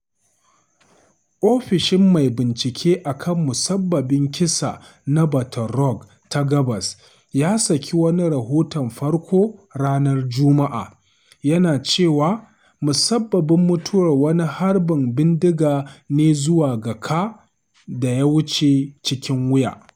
Ofishin Mai Binciken a kan Musabbabin Kisa na Baton Rouge ta Gabas ya saki wani rahoton farko ranar Jumu’a, yana cewa musabbabin mutuwar wani harbin bindiga ne zuwa ga ka da ya wuce cikin wuya.